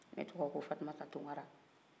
ne tɔgɔ ko fatumata tunkara